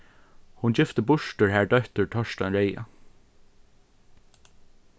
hon gifti burtur har dóttur torstein reyða